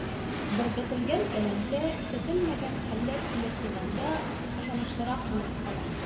Беркетелгән элемтә көтелмәгән хәлләр килеп туганда ышанычлырак булып кала.